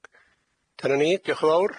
Dyna ni. Diolch yn fowr.